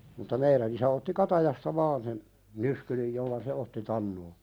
mutta meidän isä otti katajasta vain sen nyskyrin jolla se otti tanoa